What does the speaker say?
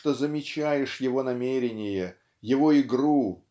что замечаешь его намерение его игру